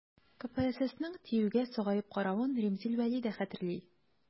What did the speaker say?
КПССның ТИҮгә сагаеп каравын Римзил Вәли дә хәтерли.